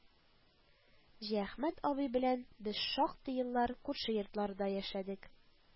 Җиәхмәт абый белән без шактый еллар күрше йортларда яшәдек